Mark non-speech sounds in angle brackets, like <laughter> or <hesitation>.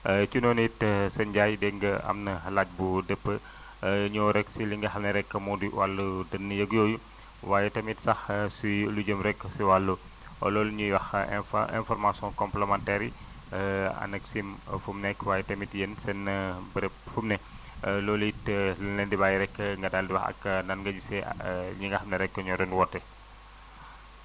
<hesitation> ci noonu it <hesitation> sën Ndiaye dégg nga am na laaj bu dëpp <hesitation> ñëw rek si li nga xam ne rek moo di wàllu dënnu yeeg yooyu waaye tamit sax suy lu jëm rek si wàllu loolu ñuy wax infor information complémentaire yi <hesitation> ANACIM fu mu nekk waaye tamit yéen seen <hesitation> béréb fu mu ne <hesitation> loolu it <hesitation> la ñu leen di bàyyi rek nga daal di wax ak nan nga gisee <hesitation> ñi nga xam ne rek ñoo doon woote <noise>